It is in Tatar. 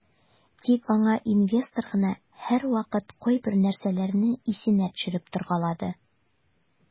Тик аңа инвестор гына һәрвакыт кайбер нәрсәләрне исенә төшереп торгалады.